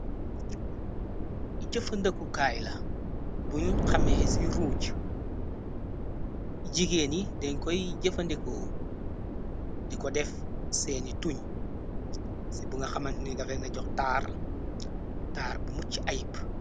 jëfa ndëkku kaay la buñ xamee ci roucc jigée ni den koy jëfandiko diko def seeni tuñ ci bu nga xamantuni defflen na jox taar, taar bu mucc ayb.